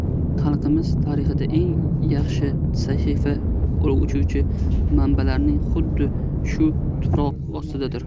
balki xalqimiz tarixida yangi sahifa ochuvchi manbalar xuddi shu tuproq ostidadir